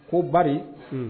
Ko ba